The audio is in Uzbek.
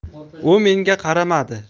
u menga qaramadi